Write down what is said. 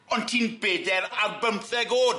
Ond ti'n beder ar bymtheg o'd.